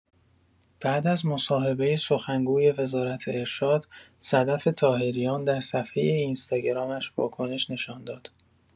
بعد از مصاحبه سخنگوی وزارت ارشاد، صدف طاهریان در صفحه اینستاگرامش واکنش نشان داد.